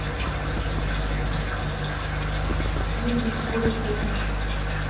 вызвать скорую помощь